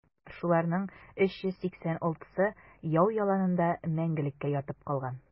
Шуларның 386-сы яу яланында мәңгелеккә ятып калган.